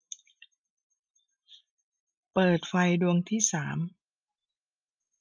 เปิดไฟดวงที่สาม